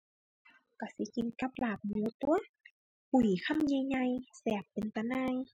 ก็สิกินกับลาบหมูตั่ว ปุ้ยคำใหญ่ใหญ่ แซ่บเป็นตาหน่าย